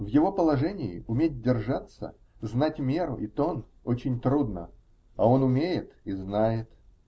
В его положении уметь держать, знать меру и тон -- очень трудно, а он умеет и знает.